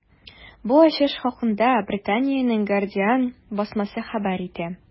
Бу ачыш хакында Британиянең “Гардиан” басмасы хәбәр итә.